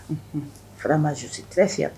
Unhun vraiment je suis très fier